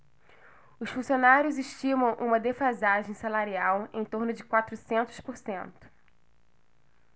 os funcionários estimam uma defasagem salarial em torno de quatrocentos por cento